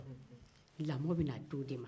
lamɔ bɛna di o de ma